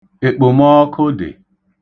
Ekpomọọkụ dị.